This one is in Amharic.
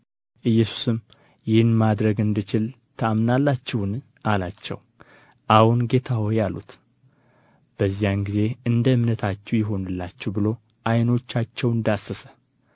ኢየሱስም ይህን ማድረግ እንድችል ታምናላችሁን አላቸው አዎን ጌታ ሆይ አሉት በዚያን ጊዜ እንደ እምነታችሁ ይሁንላችሁ ብሎ ዓይኖቻቸውን ዳሰሰ